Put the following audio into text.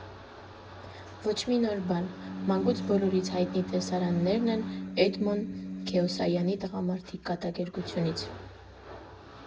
Ոչ մի նոր բան՝ մանկուց բոլորիս հայտնի տեսարաններ են Էդմոն Քեոսայանի «Տղամարդիկ» կատակերգությունից։